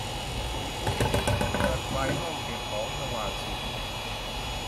เปิดไฟห้องเก็บของสว่างสุด